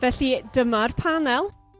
felly dyma'r panel.